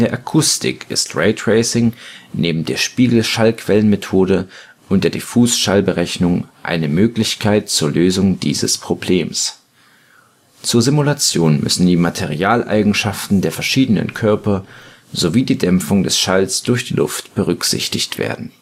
Akustik ist Raytracing neben der Spiegelschallquellenmethode und der Diffusschallberechnung eine Möglichkeit zur Lösung dieses Problems. Zur Simulation müssen die Materialeigenschaften der verschiedenen Körper sowie die Dämpfung des Schalls durch die Luft berücksichtigt werden